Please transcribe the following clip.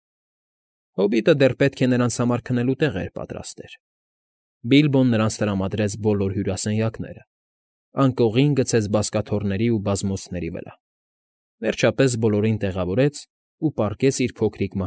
Հոբիտը դեռ պետք է նրանց համար քնելու տեղեր պատրաստեր. Բիլբոն նրանց տրամադրեց բոլոր հյուրասենյակները, անկողին գցեց բազկաթոռների ու բազմոցների վրա, վերջապես բոլորին տեղավորեց ու պառկեց իր փոքրիկ։